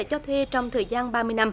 cho thuê trong thời gian ba mươi năm